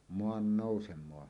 maannousemaa